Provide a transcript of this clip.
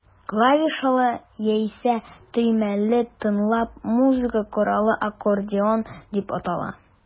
Клавишалы, яисә төймәле тынлы музыка коралы аккордеон дип атала.